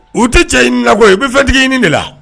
U tɛ cɛ ɲini la koyi, u bɛ fɛntigi ɲini de la.